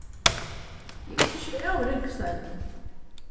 eg visti ikki av rinkusteinunum